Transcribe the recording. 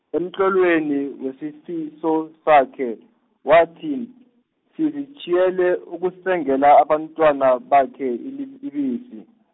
emtlolweni wesifiso sakhe, wathi , sizitjhiyele ukusengela abantwana bakhe ili- ibisi .